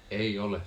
ei ole